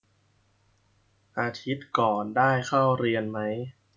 อาทิตย์ก่อนได้เข้าเรียนมั้ย